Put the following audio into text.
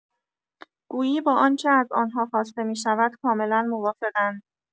گویی با آنچه از آن‌ها خواسته می‌شود کاملا موافق‌اند.